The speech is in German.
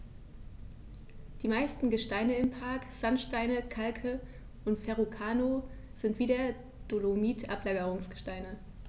Die meisten Gesteine im Park – Sandsteine, Kalke und Verrucano – sind wie der Dolomit Ablagerungsgesteine.